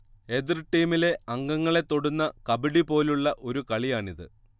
എതിർ ടീമിലെ അംഗങ്ങളെ തൊടുന്ന കബഡിപോലുള്ള ഒരു കളിയാണിത്